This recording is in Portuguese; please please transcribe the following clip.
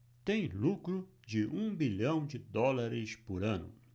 tem lucro de um bilhão de dólares por ano